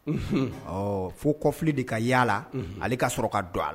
Fo kɔfi de ka yaala ale ka sɔrɔ ka don a la